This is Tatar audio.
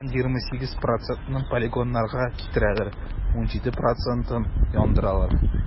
Тагын 28 процентын полигоннарга китерәләр, 17 процентын - яндыралар.